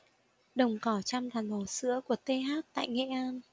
đồng cỏ chăm đàn bò sữa của th tại nghệ an